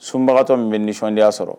Sunbagatɔ min bɛ nisɔndiyaya sɔrɔ